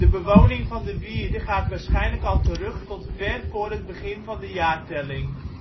bewoning van de wierde gaat waarschijnlijk al terug tot ver voor het begin van de jaartelling